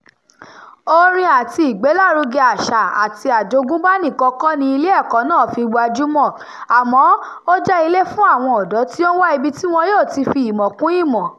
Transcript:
Orin àti ìgbélárugẹ àṣà àti àjogúnbá nìkan kọ́ ni ilé ẹ̀kọ́ náà fi gbajúmọ̀, àmọ́ ó jẹ́ ilé fún àwọn ọ̀dọ́ tí ó ń wà ibi tí wọn yóò ti fi ìmọ̀ kún ìmọ̀.